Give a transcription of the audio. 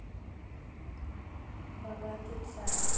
богатый царь